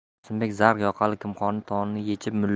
qosimbek zar yoqali kimxob to'nini